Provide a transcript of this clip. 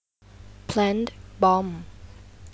แพลนท์บอม